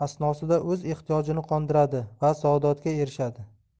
asnosida o'z ehtiyojini qondiradi va saodatga erishadi